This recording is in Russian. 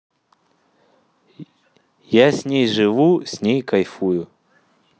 я с ней живу с ней кайфую